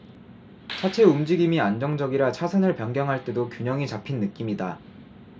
차체 움직임이 안정적이라 차선을 변경할 때도 균형이 잡힌 느낌이다